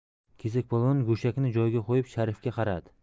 kesakpolvon go'shakni joyiga qo'yib sharifga qaradi